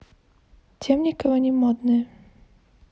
темникова не модные